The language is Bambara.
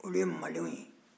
olu ye malew ye